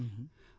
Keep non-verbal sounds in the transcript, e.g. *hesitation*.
*hesitation* *hesitation*